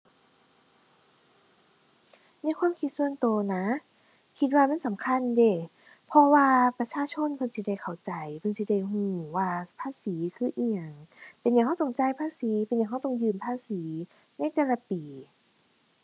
ในความคิดส่วนตัวนะ คิดว่ามันสำคัญเดะ เพราะว่าประชาชนเพิ่นสิได้เข้าใจ เพิ่นสิได้ตัวว่าภาษีคืออิหยัง เป็นหยังตัวต้องจ่ายภาษี เป็นหยังตัวต้องยื่นภาษีในแต่ละปี